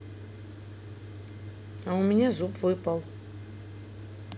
а у меня зуб выпал